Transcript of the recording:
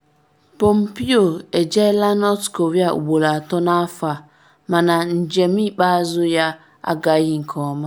Pompeo ejeela North Korea ugboro atọ n’afọ a, mana njem ikpeazụ ya agaghị nke ọma.